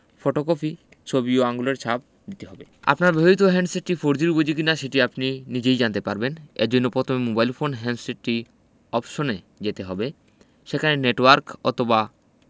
photocopy ছবি ও আঙুলের ছাপ দিতে হবে আপনার ব্যবহৃত হ্যান্ডসেটটি ফোরজির উপযোগী কিনা সেটি আপনি নিজেই জানতে পারবেন এ জন্য পতমে মোবাইল ফোন হ্যান্ডসেটটি অপশনে যেতে হবে সেখানে নেটওয়ার্ক অথবা